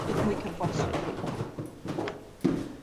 peth mwy cyfoes rili.